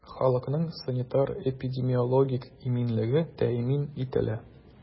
Халыкның санитар-эпидемиологик иминлеге тәэмин ителә.